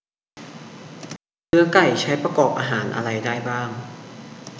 เนื้อไก่ใช้ประกอบอาหารอะไรได้บ้าง